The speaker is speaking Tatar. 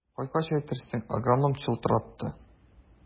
Кайткач әйтерсең, агроном чылтыратты.